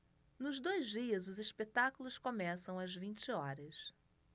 nos dois dias os espetáculos começam às vinte horas